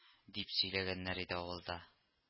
Дип сөйләгәннәр иде авылда